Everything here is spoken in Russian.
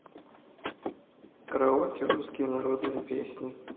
караоке русские народные песни